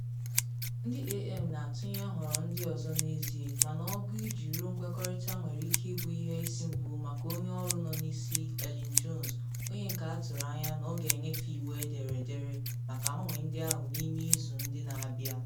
Ndị AM na atụnye nhọrọ ndị ọzọ n’ezie, mana ọgụ iji ruo nkwekọrịta nwere ike ịbụ ihe isi mgbu maka Onye Ọrụ Nọ N’isi, Elin Jones, onye nke atụrụ anya na ọ ga-enyefe iwu edere edere maka mgbanwe ndị ahụ n’ime izu ndị na abịa.